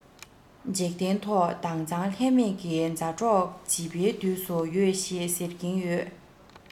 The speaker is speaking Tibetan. འཇིག རྟེན ཐོག དྭངས གཙང ལྷད མེད ཀྱི མཛའ གྲོགས བྱིས པའི དུས སུ ཡོད ཞེས ཟེར གྱིན ཡོད